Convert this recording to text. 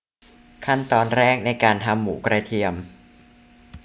ขั้นตอนแรกในการทำหมูกระเทียม